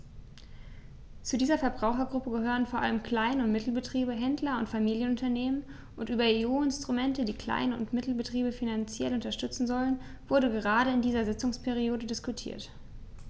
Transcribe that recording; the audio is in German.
Zu dieser Verbrauchergruppe gehören vor allem Klein- und Mittelbetriebe, Händler und Familienunternehmen, und über EU-Instrumente, die Klein- und Mittelbetriebe finanziell unterstützen sollen, wurde gerade in dieser Sitzungsperiode diskutiert.